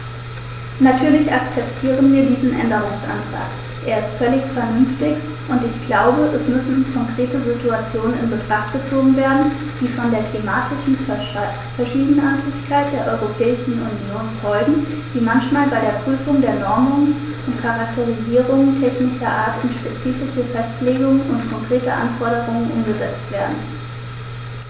Natürlich akzeptieren wir diesen Änderungsantrag, er ist völlig vernünftig, und ich glaube, es müssen konkrete Situationen in Betracht gezogen werden, die von der klimatischen Verschiedenartigkeit der Europäischen Union zeugen, die manchmal bei der Prüfung der Normungen und Charakterisierungen technischer Art in spezifische Festlegungen und konkrete Anforderungen umgesetzt werden.